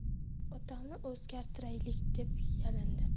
otimni o'zgartiraylik deb yalindi